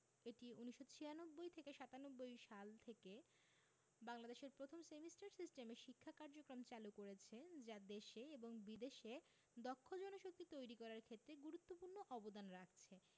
এটি ১৯৯৬ থেকে ৯৭ সাল থেকে বাংলাদেশের প্রথম সেমিস্টার সিস্টেমে শিক্ষা কার্যক্রম চালু করেছে যা দেশে এবং বিদেশে দক্ষ জনশক্তি তৈরি করার ক্ষেত্রে গুরুত্বপূর্ণ অবদান রাখছে